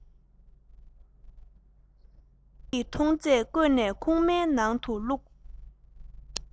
མིག གིས མཐོང ཚད བརྐོས ནས ཁུག མའི ནང དུ བླུགས